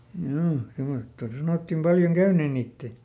juu semmoista sanottiin paljon käyneen niiden